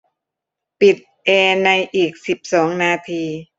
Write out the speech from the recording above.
ปิดแอร์ในอีกสิบสองนาที